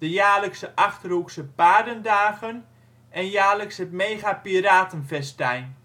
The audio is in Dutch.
jaarlijkse Achterhoekse Paardendagen (APD). Jaarlijks het ' Mega Piraten Festijn